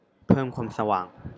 เพิ่มความสว่าง